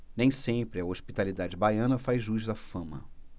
nem sempre a hospitalidade baiana faz jus à fama